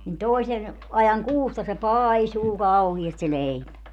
niin toisen ajan kuusta se paisuu kauheasti se leipä